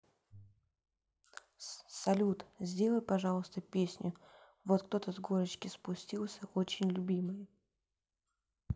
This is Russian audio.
салют сделай пожалуйста песню вот кто то с горочки спустился очень любимая